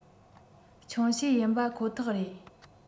ཆུང ཤོས ཡིན པ ཁོ ཐག རེད